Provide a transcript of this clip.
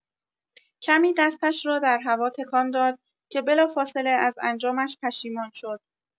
کمی دستش را در هوا تکان داد که بلافاصله، از انجامش پشیمان شد.